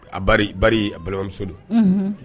Balimamuso don